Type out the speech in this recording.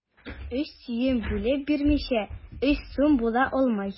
Өч тиен бүлеп бирмичә, өч сум була алмый.